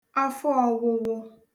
afọọ̀wụwụ